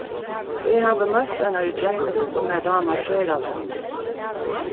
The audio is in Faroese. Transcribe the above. eg havi møtt einari gentu sum mær dámar sera væl